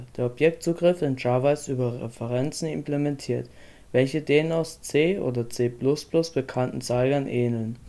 Der Objektzugriff in Java ist über Referenzen implementiert, welche den aus C/C++ bekannten Zeigern ähneln